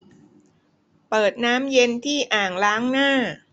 เปิดน้ำเย็นที่อ่างล้างหน้า